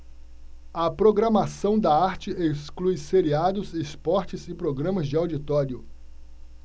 a programação da arte exclui seriados esportes e programas de auditório